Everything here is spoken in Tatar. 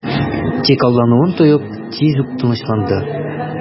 Тик алдануын тоеп, тиз үк тынычланды...